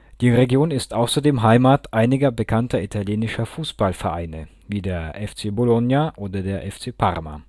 Die Region ist außerdem Heimat einiger bekannter italienischer Fußballvereine wie der FC Bologna oder der FC Parma